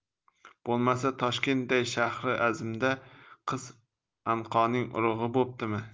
bo'lmasa toshkentday shahri azimda qiz anqoning urug'i bo'ptimi